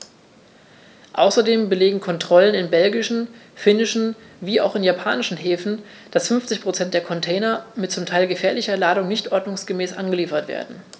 Außerdem belegen Kontrollen in belgischen, finnischen wie auch in japanischen Häfen, dass 50 % der Container mit zum Teil gefährlicher Ladung nicht ordnungsgemäß angeliefert werden.